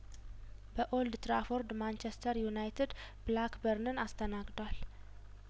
በኦልድ ትራፎርድ ማንቸስተር ዩናትድ ብላክበርንን አስተናግዷል